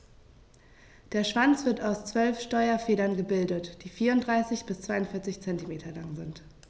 Der Schwanz wird aus 12 Steuerfedern gebildet, die 34 bis 42 cm lang sind.